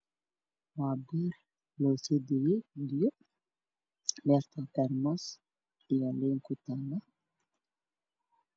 Waa beer lagu soo deeyay biyo beerta beer moos iyo liin ku taallo